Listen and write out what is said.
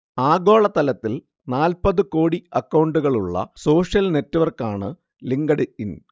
ആഗോളതലത്തിൽ നാല്പതു കോടി അക്കൗണ്ടുകളുള്ള സോഷ്യൽ നെറ്റ്വർക്കാണ് ലിങ്കഡ് ഇൻ